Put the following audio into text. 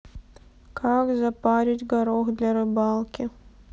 как запарить горох для рыбалки